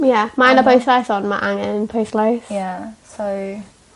Ie mae 'na bwyslais on' ma' angen pwyslais. Ie so